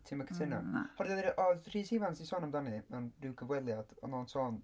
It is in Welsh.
Ti'm yn cytuno?... Na. ...Oherwydd oedd Rhys Ifans 'di sôn amdani mewn ryw gyfweliad. Oedd o'n sôn...